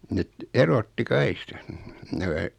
ne erotti kaikista nämä